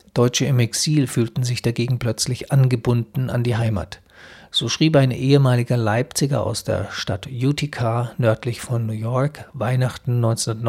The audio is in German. Deutsche im Exil fühlten sich dagegen plötzlich angebunden an die Heimat. So schrieb ein ehemaliger Leipziger aus der Stadt Utica nördlich von New York Weihnachten 1929